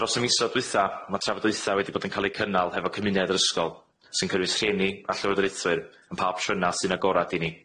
Dros y misoedd dwytha ma' trafodaetha wedi bod yn ca'l 'i cynnal hefo cymuned yr ysgol sy'n cynnwys rhieni a llywodraethwyr yn pa opsiyna sy'n agorad i ni.